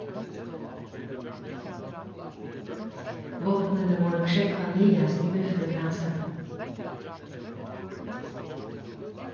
vápnini vórðu krógvað niðast í viðføri hansara